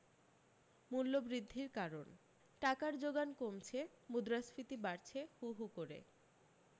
মূল্যবৃদ্ধির কারণ টাকার জোগান কমছে মুদ্রাস্ফীতি বাড়ছে হুহু করে